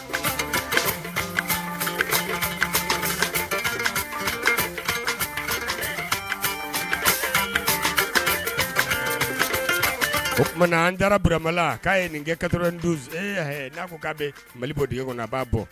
Ma an da buramala k'a ye nin kɛ ka n'a ko k'a bɛ mali bɔ dege kɔnɔ a b'a bɔ